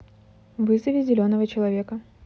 вызови зеленого человечка